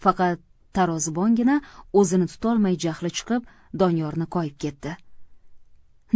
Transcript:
faqat tarozibongina o'zini tutolmay jahli chiqib doniyorni koyib ketdi